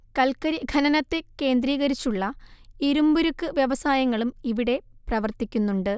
കൽക്കരി ഖനനത്തെ കേന്ദ്രീകരിച്ചുള്ള ഇരുമ്പുരുക്ക് വ്യവസായങ്ങളും ഇവിടെ പ്രവർത്തിക്കുന്നുണ്ട്